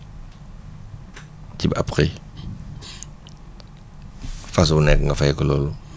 ci ab xëy fas wu nekk nga fay ko loolu